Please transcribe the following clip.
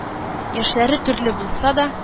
Яшьләре төрле булса да,